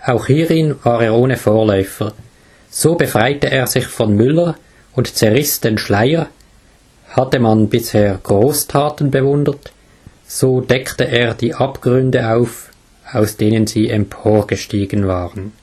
Auch hierin war er ohne Vorläufer. So befreite er sich von Müller und zerriss den Schleier; hatte man bisher Grosstaten bewundert, so deckte er die Abgründe auf, aus denen sie emporgestiegen waren